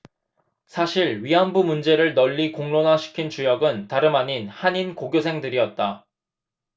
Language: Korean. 사실 위안부 문제를 널리 공론화시킨 주역은 다름아닌 한인고교생들이었다